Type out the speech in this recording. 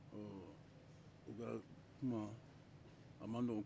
ɔ u ka kuma a ma nɔgɔn